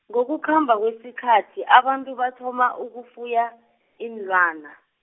ngokukhamba kwesikhathi abantu bathoma ukufuya, iinlwana.